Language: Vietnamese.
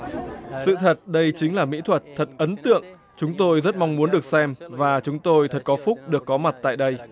sự thật đây chính là mỹ thuật thật ấn tượng chúng tôi rất mong muốn được xem và chúng tôi thật có phúc được có mặt tại đây